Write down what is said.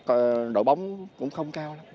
đội bóng cũng không cao